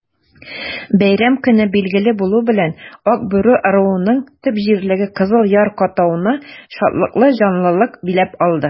Бәйрәм көне билгеле булу белән, Акбүре ыруының төп җирлеге Кызыл Яр-катауны шатлыклы җанлылык биләп алды.